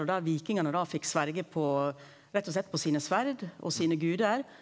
og der vikingane da fekk sverje på rett og slett på sine sverd og sine gudar.